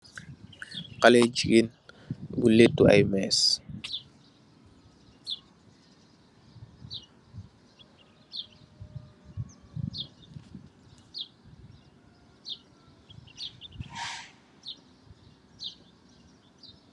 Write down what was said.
Xalex bu jigeen ju laitu ay mees.